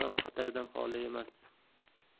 uchun ham xatardan xoli emas